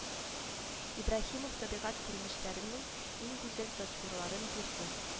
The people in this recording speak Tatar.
Ибраһимов табигать күренешләренең иң гүзәл тасвирларын бирде